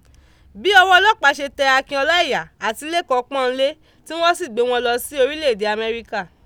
Bí ọwọ́ ọlọ́pàá ṣe tẹ Akin Ọláìyà àti Lékan Pọ́nlé tí wọ́n sì gbé wọn lọ sí orílẹ̀ èdè Amẹ́ríkà.